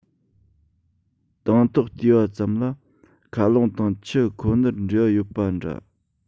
དང ཐོག བལྟས པ ཙམ ལ མཁའ རླུང དང ཆུ ཁོ ནར འབྲེལ བ ཡོད པ འདྲ